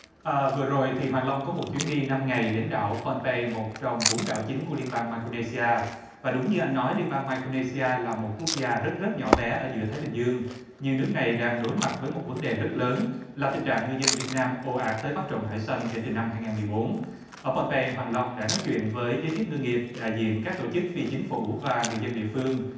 à vừa rồi thì hoàng long có một chuyến đi năm ngày đến đảo phon tây một trong bốn đảo chính của liên bang mai co ne si a và đúng như anh nói liên bang mai co ne si a là một quốc gia rất rất nhỏ bé ở giữa thái bình dương nhưng nước này đang đối mặt với một vấn đề rất lớn là tình trạng ngư dân việt nam ồ ạt tới bắt trộm hải xâm kể từ năm hai ngàn mười bốn ở phon tây hoàng long đã nói chuyện với giới chức ngư nghiệp đại diện các tổ chức phi chính phủ và người dân địa phương